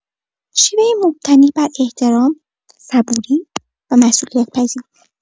شیوه‌ای مبتنی بر احترام، صبوری و مسئولیت‌پذیری.